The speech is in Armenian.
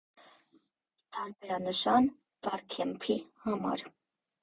Տարբերանշան՝ Բարքեմփի համար։